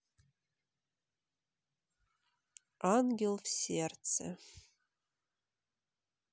ангел в сердце